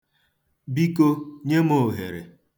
Biko, nye m ohere.